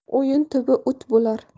o'yin tubi o't bo'lar